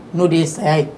N'o de ye saya ye